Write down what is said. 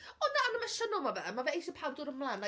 Ond na, yn emosiynol mae fe yn. Mae fe isie pawb dod ymlaen like...